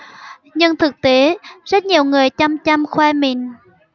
nhưng thực tế rất nhiều người chăm chăm khoe mình